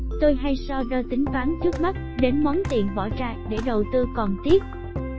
tôi hay so đo tính toán trước mắt đến món tiền bỏ ra để đầu tư còn tiếc